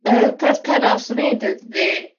Yr peth penna swn i''n deud ydi